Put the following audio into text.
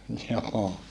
joo